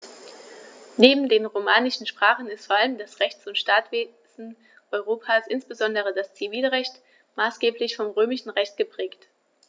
Neben den romanischen Sprachen ist vor allem das Rechts- und Staatswesen Europas, insbesondere das Zivilrecht, maßgeblich vom Römischen Recht geprägt.